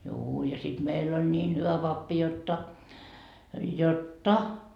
juu ja sitten meillä oli niin hyvä pappi jotta jotta